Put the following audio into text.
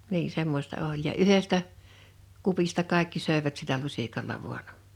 niin semmoista oli ja yhdestä kupista kaikki söivät sillä lusikalla vain